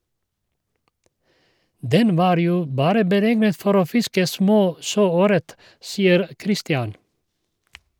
Den var jo bare beregnet for å fiske små sjøøret, sier Christian.